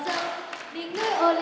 cùng